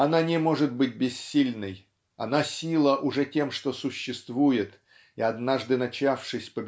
Она не может быть бессильной, она сила уже тем что существует и однажды начавшись